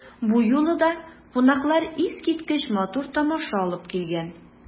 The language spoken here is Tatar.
Бу юлы да кунаклар искиткеч матур тамаша алып килгән.